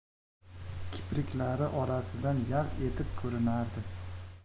kipriklari orasidan yalt etib ko'rinardi